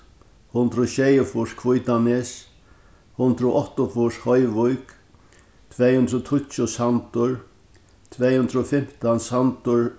hundrað og sjeyogfýrs hvítanes hundrað og áttaogfýrs hoyvík tvey hundrað og tíggju sandur tvey hundrað og fimtan sandur